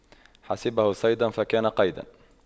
حسبه صيدا فكان قيدا